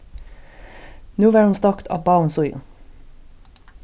nú var hon stokt á báðum síðum